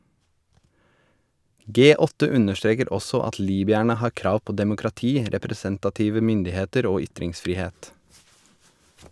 G8 understreker også at libyerne har krav på demokrati, representative myndigheter og ytringsfrihet.